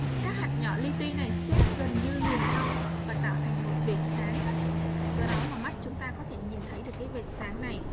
các hạt nhỏ li ti này xếp gần như liền nhau và tạo thành một vệt sáng do đó mà mắt chúng ta có thể nhìn thấy được những vệt sáng này